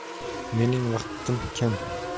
mening vaqtim kam